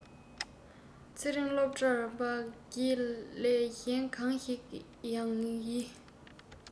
ཚེ རིང སློབ གྲྭར འབ བརྒྱ ལས གཞན གང ཞིག ཡང ཡི